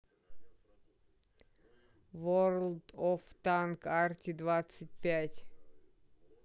ворлд оф танк арти двадцать пять